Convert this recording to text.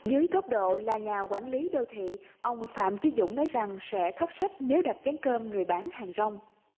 dưới góc độ là nhà quản lý đô thị ông phạm chí dũng nói rằng sẽ thất sách nếu đặt chén cơm người bán hàng rong